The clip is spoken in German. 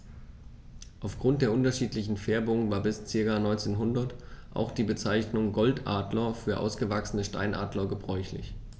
Auf Grund der unterschiedlichen Färbung war bis ca. 1900 auch die Bezeichnung Goldadler für ausgewachsene Steinadler gebräuchlich.